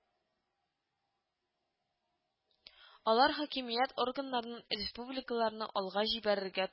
Алар хакимият органнарының республикаларны алга җибәререргә